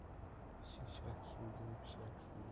shishak so'ydim pishak so'ydim